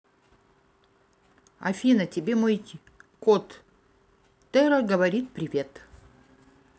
афина тебе мой кот гера говорит привет